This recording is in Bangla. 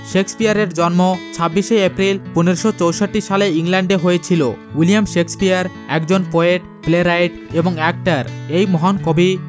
শেক্সপিয়ারের জন্ম২৬ শে এপ্রিল ১৫৬৪ সালে ইংল্যান্ডে হয়েছিল উইলিয়াম শেক্সপীয়ার একজন পোয়েট প্লে রাইটার এবং একটার এই মহান কবি